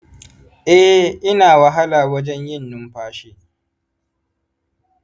eh, ina wahala wajen yin numfashi.